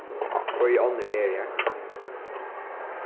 hvørji onnur eru har